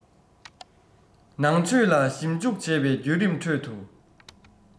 ནང ཆོས ལ ཞིབ འཇུག བྱས པའི བརྒྱུད རིམ ཁྲོད དུ